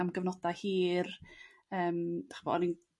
am gyfnoda' hir yrm 'dych ch'mo' o'n i'n...